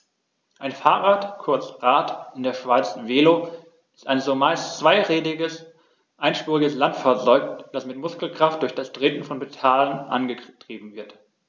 Ein Fahrrad, kurz Rad, in der Schweiz Velo, ist ein zumeist zweirädriges einspuriges Landfahrzeug, das mit Muskelkraft durch das Treten von Pedalen angetrieben wird.